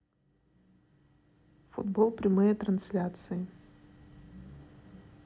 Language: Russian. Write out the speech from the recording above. футбол прямые трансляции